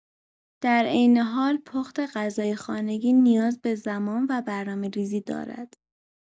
در عین حال پخت غذای خانگی نیاز به زمان و برنامه‌ریزی دارد.